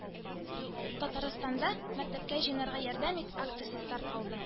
Татарстанда “Мәктәпкә җыенырга ярдәм ит!” акциясе старт алды